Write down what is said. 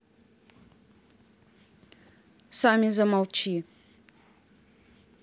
сами замолчи